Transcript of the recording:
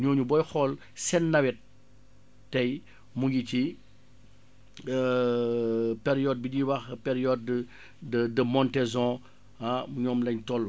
ñooñu booy xool seen nawet tay mu ngi ci période bi ñuy wax période de de montaison ah moom la ñu toll